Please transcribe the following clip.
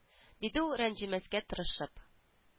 Диде ул рәнҗемәскә тырышып